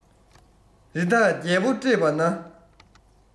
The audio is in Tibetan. རི དྭགས རྒྱལ པོ བཀྲེས པ ན